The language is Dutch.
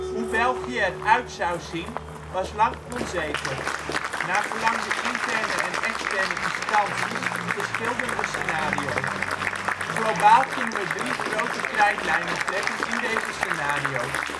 België er uit zou zien, was lang onzeker. Naargelang de interne en externe instanties verschilden de scenario 's. Globaal kunnen we drie grote krijtlijnen trekken in deze scenario 's